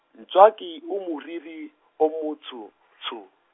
Ntswaki o moriri, o motsho, tsho.